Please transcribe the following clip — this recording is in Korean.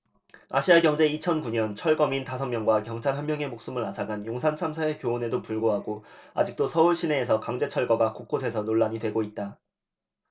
아시아경제 이천 구 년 철거민 다섯 명과 경찰 한 명의 목숨을 앗아간 용산참사의 교훈에도 불구하고 아직도 서울 시내에서 강제철거가 곳곳에서 논란이 되고 있다